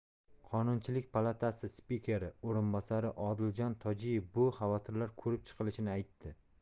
qonunchilik palatasi spikeri o'rinbosari odiljon tojiyev bu xavotirlar ko'rib chiqilishini aytdi